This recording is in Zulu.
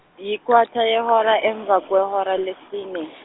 yikwata yehora emva kwehora lesine .